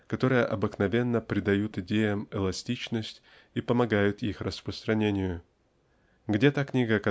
которые обыкновенно придают идеям эластичность и помогают их распространению? Где та книга